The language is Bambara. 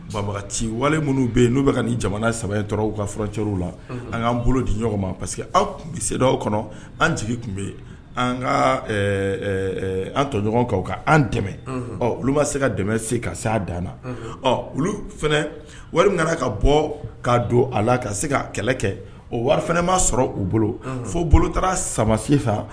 Baba wali minnu bɛ yen n'u bɛ ka jamana saba kacɛ la an'an bolo di ɲɔgɔn ma parce que tun bɛ se kɔnɔ an jigin tun bɛ yen an ka an tɔ ɲɔgɔn kan ka an dɛmɛ olu ma se ka tɛmɛ se ka se' dan an na ɔ olu fana wari min ka bɔ'a don a la ka se ka kɛlɛ kɛ o wari fana m'a sɔrɔ u bolo fo bolo taara samasi